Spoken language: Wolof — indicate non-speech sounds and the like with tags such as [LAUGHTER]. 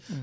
[HESITATION]